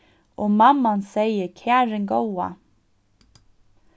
og mamman segði karin góða